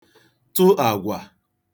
tụ àgwà